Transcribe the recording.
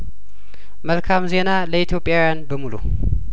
መልካም ዜና ለኢትዮጵያውያን በሙሉ